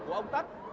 của ông tất